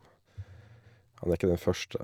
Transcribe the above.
Han er ikke den første.